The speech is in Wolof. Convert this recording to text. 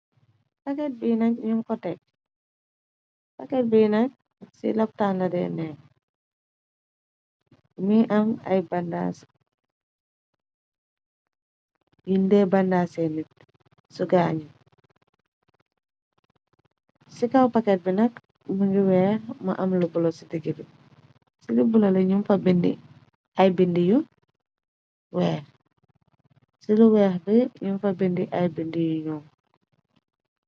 Pakket bi nak nyu ko tek. Pakket bi nak ci lopitaan la day neka. Mungi am ay bandasee yun day bandasse nit su gaañu, ci kaw pakat bi nak mu ngi weex mu am lu bulo ci dig bi ci li bula la ñuay bindi yu weex ci lu weex bi ñum fa bindi ay bindi yu ñuo.